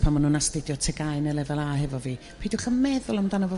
pan ma' nhw'n astudio TGAU ne' lefel a hefo fi peidiwch â meddwl amdano fo